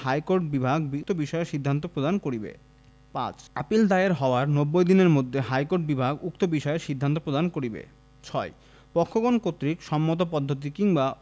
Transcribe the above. high court বিভাগ উক্ত বিষয়ে সিদ্ধান্ত প্রদান করিবে ৫ আপীল দায়ের হওয়ার নব্বই দিনের মধ্যে হাইকোর্ট বিভাগ উক্ত বিষয়ে সিদ্ধান্ত প্রদান করিবে ৬ পক্ষগণ কর্তৃক সম্মত পদ্ধতি কিংবা